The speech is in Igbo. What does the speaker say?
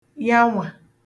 ya nwà